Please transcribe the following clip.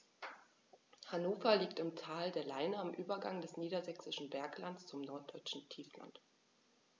Hannover liegt im Tal der Leine am Übergang des Niedersächsischen Berglands zum Norddeutschen Tiefland.